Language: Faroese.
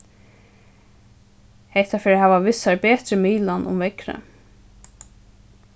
hetta fer at hava við sær betri miðlan um veðrið